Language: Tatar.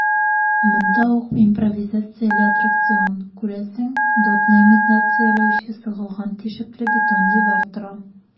Монда ук импровизацияле аттракцион - күрәсең, дотны имитацияләүче сыгылган тишекле бетон дивар тора.